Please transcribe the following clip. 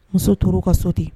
Muso tor'u ka so ten.